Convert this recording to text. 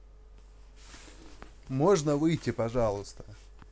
можно выйти пожалуйста